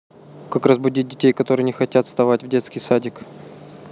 как разбудить детей которые не хотят вставать в детский садик